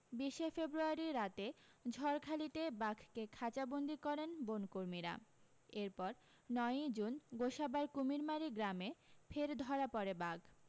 বিশ এ ফেব্রুয়ারি রাতে ঝড়খালিতে বাঘকে খাঁচাবন্দি করেন বন কর্মীরা এরপর নয়ি জুন গোসাবার কুমিরমারি গ্রামে ফের ধরা পড়ে বাঘ